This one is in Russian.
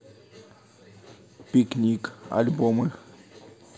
пикник альбомы